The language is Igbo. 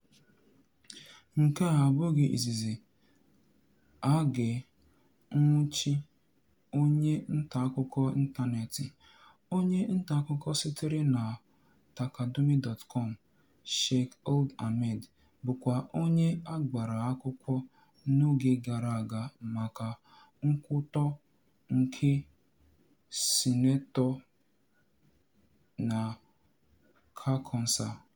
Nke a abụghị izizi a ga-anwụchi onye ntaakụkọ ịntaneetị, onye ntaakụkọ sitere na Taqadoumy.com, Cheikh Ould Ahmed, bụkwa onye a gbara akwụkwọ n'oge gara aga maka nkwutọ nke Sinetọ si Kankossa.